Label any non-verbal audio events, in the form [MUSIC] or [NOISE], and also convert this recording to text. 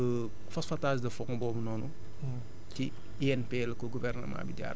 léegi li ëpp ci [HESITATION] phosphatage de fond boobu noonu